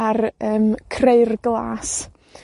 rr yym Creu'r Glas.